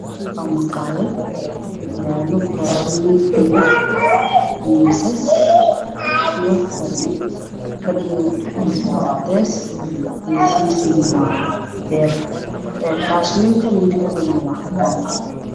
Waa maqaayad waxaa yaalo kuraasman iyo miisas, fadhi dhexdiisa waa cadeys, miisasku waa beer , kuraasman midabkoodu waa cadaan.